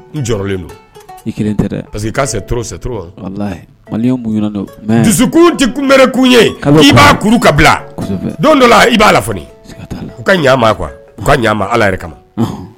N jɔlen don parce que i ka dusukun kunbkun ye i b'a kuru ka bila don dɔ la i b'a la u ka ɲ ma kuwa ka ɲa ma ala yɛrɛ kama